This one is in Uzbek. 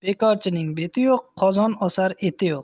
bekorchining beti yo'q qozon osar eti yo'q